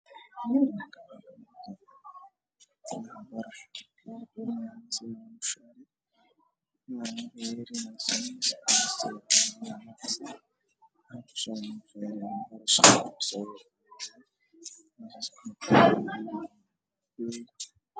Waa supermarket waxaa ii muuqda gasacyo caano booro